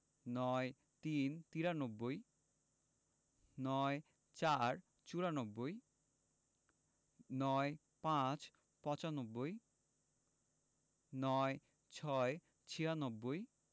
৯৩ - তিরানব্বই ৯৪ – চুরানব্বই ৯৫ - পচানব্বই ৯৬ - ছিয়ানব্বই